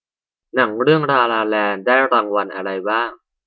หนังเรื่องลาลาแลนด์ได้รางวัลอะไรบ้าง